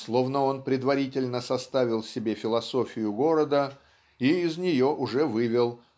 словно он предварительно составил себе философию города и из нее уже вывел